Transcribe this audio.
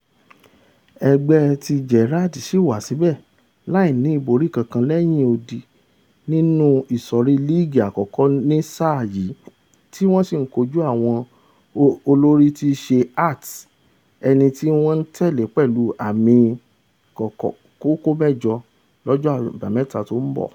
Ẹgbẹ́ ti Gerrard sì wà síbẹ̀ láìní ìbori kankan lẹ́yìn odi nínú Ìṣọ̀rí Líìgí Àkọ́kọ́ ní sáà yìí tí wọ́n sí ńkojú àwọn olóri tííṣe Hearts, ẹniti wọ́n ńtẹ̀lé pẹ̀lú àmì kókó mẹ́jọ, lọ́jọ́ Àbámẹ́ta tó ńbọ̀.